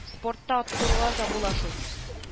Спортта оттырулар да була шул